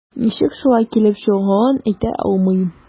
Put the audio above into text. Ничек шулай килеп чыгуын әйтә алмыйм.